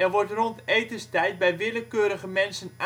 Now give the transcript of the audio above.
wordt rond etenstijd bij willekeurige mensen